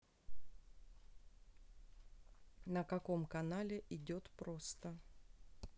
на каком канале идет просто